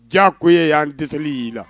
Jaa ko ye y'an dɛsɛeli y'i la